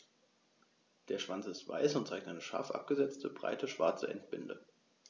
Der Schwanz ist weiß und zeigt eine scharf abgesetzte, breite schwarze Endbinde.